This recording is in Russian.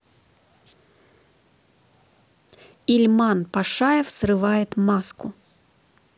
ильман пашаев срывает маску